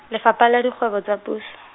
Lefapha la Dikgwebo tsa Puso.